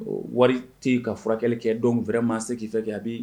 Wari tɛ ka furakɛli kɛ dɔw fɛrɛ maa se k'i fɛ kɛ a bi